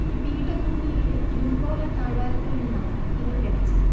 പീഠഭൂമിയിലെ Lunpola താഴ്വാരത്തിൽ നിന്നാണ് ഇവ ലഭിച്ചത്